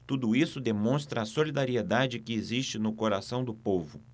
tudo isso demonstra a solidariedade que existe no coração do povo